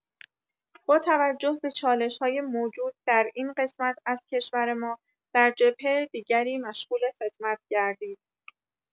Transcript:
با توجه به چالش‌های موجود در این قسمت از کشور ما، در جبهه دیگری مشغول خدمت گردید.